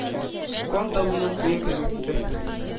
Кан табыннан куе кызыл төстә